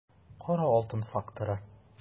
Кара алтын факторы